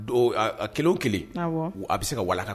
Don kelen kelen a bɛ se ka ka